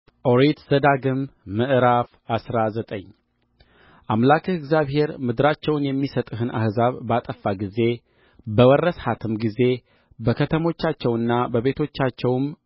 ኦሪት ዘዳግም ምዕራፍ አስራ ዘጠኝ አምላክህ እግዚአብሔር ምድራቸውን የሚሰጥህን አሕዛብ ባጠፋ ጊዜ በወረስሃትም ጊዜ በከተሞቻቸውና በቤቶቻቸውም